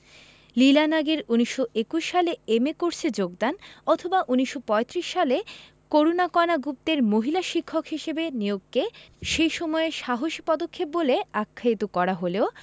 লীলা নাগের ১৯২১ সালে এম.এ কোর্সে যোগদান অথবা ১৯৩৫ সালে করুণাকণা গুপ্তের মহিলা শিক্ষক হিসেবে নিয়োগকে সেই সময়ে সাহসী পদক্ষেপ বলে আখ্যায়িত করা হলেও